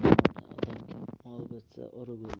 yomon odamga mol bitsa urib o'ldirar